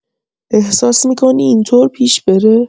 احساس می‌کنی اینطور پیش بره؟